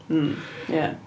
Mm, ie.